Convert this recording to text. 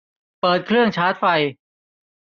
เปิดเครื่องชาร์จไฟ